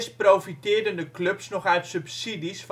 profiteerden de clubs nog uit subsidies